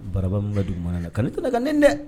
Baraba mun bɛ dugumana na kana to o la ka nɛni dɛ!